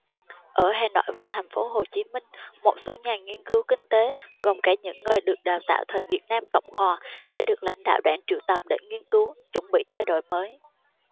ở hà nội và thành phố hồ chí minh một số nhà nghiên cứu kinh tế gồm cả những người được đào tạo thời việt nam cộng hòa đã được lãnh đạo đảng triệu tập để nghiên cứu chuẩn bị cho đổi mới